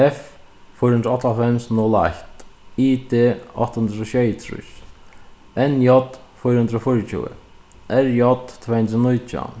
f fýra hundrað og áttaoghálvfems null eitt i d átta hundrað og sjeyogtrýss n j fýra hundrað og fýraogtjúgu r j tvey hundrað og nítjan